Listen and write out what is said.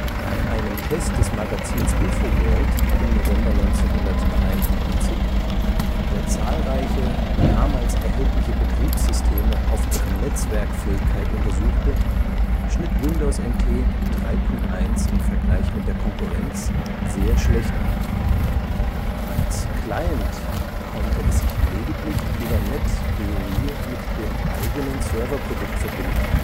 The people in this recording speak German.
Bei einem Test des Magazins InfoWorld im November 1993, der zahlreiche damals erhältliche Betriebssysteme auf ihre Netzwerkfähigkeit untersuchte, schnitt Windows NT 3.1 im Vergleich mit der Konkurrenz sehr schlecht ab: Als Client konnte es sich lediglich über NetBEUI mit dem eigenen Serverprodukt verbinden